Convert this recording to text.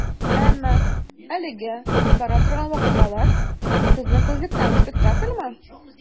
Әмма әлегә бара торган вакыйгалар, сезнең күзлектән, спектакльмы?